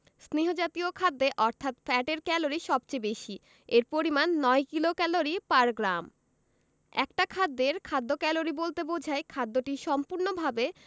স্নেহ জাতীয় খাদ্যে অর্থাৎ ফ্যাটের ক্যালরি সবচেয়ে বেশি এর পরিমান ৯ কিলোক্যালরি পার গ্রাম একটা খাদ্যের খাদ্য ক্যালোরি বলতে বোঝায় খাদ্যটি সম্পূর্ণভাবে